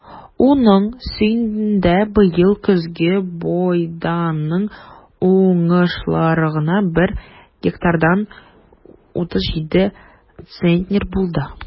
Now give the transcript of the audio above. Уңыш сөендерде быел: көзге бодайның уңышлылыгы бер гектардан 37 центнер булды.